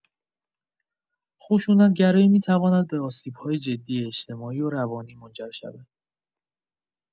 خشونت‌گرایی می‌تواند به آسیب‌های جدی اجتماعی و روانی منجر شود.